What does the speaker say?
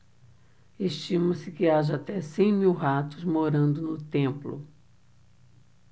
estima-se que haja até cem mil ratos morando no templo